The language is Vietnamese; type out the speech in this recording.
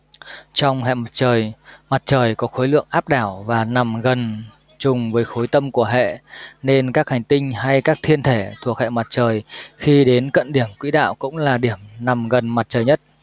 trong hệ mặt trời mặt trời có khối lượng áp đảo và nằm gần trùng với khối tâm của hệ nên các hành tinh hay các thiên thể thuộc hệ mặt trời khi đến cận điểm quỹ đạo cũng là điểm nằm gần mặt trời nhất